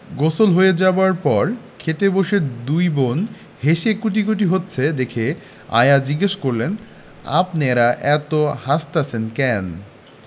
গোসল হয়ে যাবার পর খেতে বসে দুই বোন হেসে কুটিকুটি হচ্ছে দেখে আয়া জিজ্ঞেস করলেন আপনেরা অত হাসতাসেন ক্যান